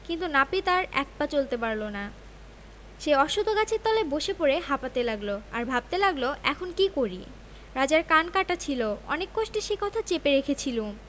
কিন্তু নাপিত আর এক পা চলতে পারল না সেই অশ্বখ গাছের তলায় বসে পড়ে হাঁপাতে লাগল আর ভাবতে লাগল এখন কী করি রাজার কান কাটা ছিল অনেক কষ্টে সে কথা চেপে রেখেছিলুম